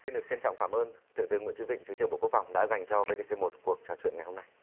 xin được trân trọng cảm ơn thượng tướng nguyễn chí vịnh thứ trưởng bộ quốc phòng đã dành cho vê tê xê một cuộc trò chuyện ngày hôm nay